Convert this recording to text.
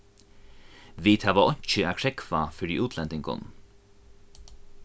vit hava einki at krógva fyri útlendingum